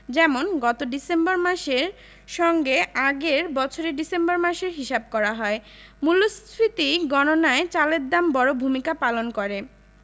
যেমন গত ডিসেম্বর মাসের সঙ্গে আগের বছরের ডিসেম্বর মাসের হিসাব করা হয় মূল্যস্ফীতি গণনায় চালের দাম বড় ভূমিকা পালন করে